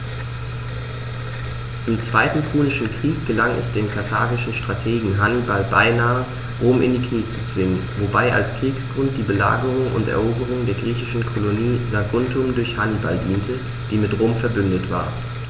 Im Zweiten Punischen Krieg gelang es dem karthagischen Strategen Hannibal beinahe, Rom in die Knie zu zwingen, wobei als Kriegsgrund die Belagerung und Eroberung der griechischen Kolonie Saguntum durch Hannibal diente, die mit Rom „verbündet“ war.